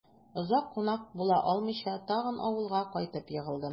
Озак кунак була алмыйча, тагын авылга кайтып егылдым...